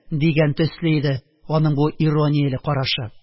Дигән төсле иде аның бу иронияле карашы.